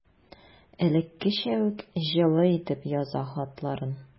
Элеккечә үк җылы итеп яза хатларын.